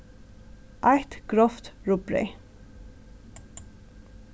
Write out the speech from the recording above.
eitt grovt rugbreyð